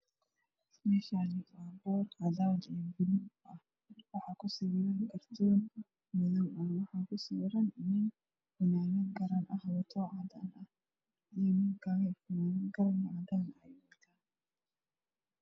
Meeshaan waa boor cadaan iyo gaduud ah waxaa kusawiran kortoon madow ah waxaa kusawiran nin wato fanaanad cadaan ah wato iyo nin kale oo garan cadaan ah wato.